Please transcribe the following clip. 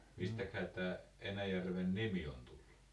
mistähän tämä Enäjärven nimi on tullut